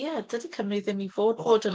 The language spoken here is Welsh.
Ie, dydy Cymru ddim i fod bod yn...